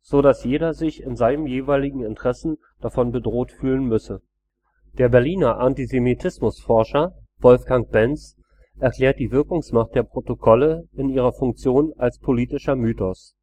sodass jeder sich in seinen jeweiligen Interessen davon bedroht fühlen müsse. Der Berliner Antisemitismusforscher Wolfgang Benz erklärt die Wirkungsmacht der Protokolle in ihrer Funktion als politischer Mythos